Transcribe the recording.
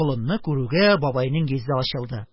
Колынны күрүгә бабайның йөзе ачылды